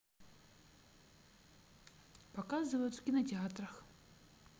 показывают в кинотеатрах